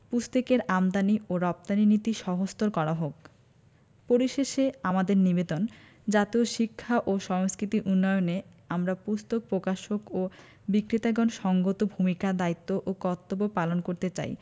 পুস্তকের আমদানী ও রপ্তানী নীতি সহজতর করা হোক পরিশেষে আমাদের নিবেদন জাতীয় শিক্ষা ও সংস্কৃতি উন্নয়নে আমরা পুস্তক প্রকাশক ও বিক্রেতাগণ সঙ্গত ভূমিকা দায়িত্ব ও কর্তব্য পালন করতে চাই